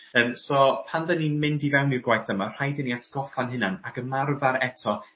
Yym so pan 'dan ni'n mynd i fewn i'r gwaith yma rhaid i ni atgoffa'n hunan ac ymarfar eto